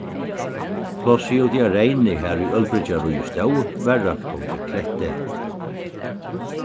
plássið úti á reyni har ið ølbryggjaríið stóð varð rópt undir kletti